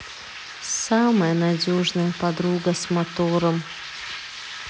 самая надежная подруга с мотором